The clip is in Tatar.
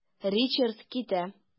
Ричард китә.